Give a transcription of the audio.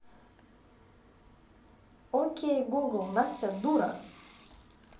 окей google настя дура